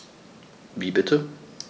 Wie bitte?